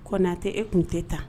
Kɔnatɛ e tun tɛ tan